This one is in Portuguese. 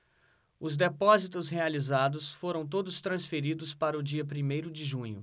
os depósitos realizados foram todos transferidos para o dia primeiro de junho